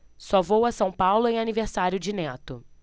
só vou a são paulo em aniversário de neto